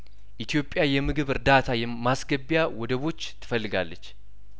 ኢትዮጵያ የምግብ እርዳታ የማስገቢያ ወደቦችት ፈልጋለች